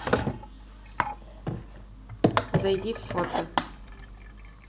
зайди в фото